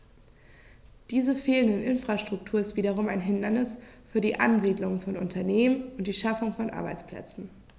Diese fehlende Infrastruktur ist wiederum ein Hindernis für die Ansiedlung von Unternehmen und die Schaffung von Arbeitsplätzen.